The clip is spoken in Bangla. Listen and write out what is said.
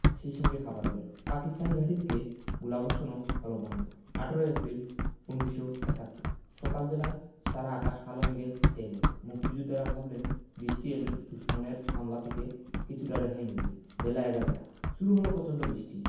সেই সঙ্গে খাবারও এলো পাকিস্তানি ঘাঁটি থেকে গোলাবর্ষণও হলো বন্ধ ১৮ এপ্রিল ১৯৭১ সকাল বেলা সারা আকাশ কালো মেঘে ছেয়ে গেল মুক্তিযোদ্ধারা ভাবলেন বৃষ্টি এলে দুশমনের হামলা থেকে কিছুটা রেহাই মিলবে বেলা এগারোটা শুরু হলো প্রচণ্ড বৃষ্টি